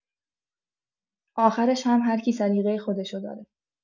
آخرش هم هر کی سلیقه خودشو داره.